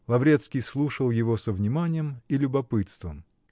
Лаврецкий слушал его со вниманием и любопытством.